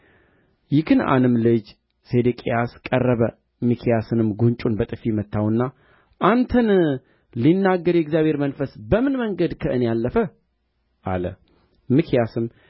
የክንዓናም ልጅ ሴዴቅያስ ቀረበ ሚክያስንም ጕንጩን በጥፊ መታውና አንተን ሊናገር የእግዚአብሔር መንፈስ በምን መንገድ ከእኔ አለፈ አለ ሚክያስም